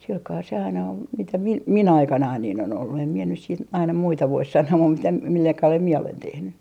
sillä kalella se aina oli mitä - minun aikanani niin on ollut en minä nyt sitten aina muita voi sanoa mutta mitä millä kalella minä olen tehnyt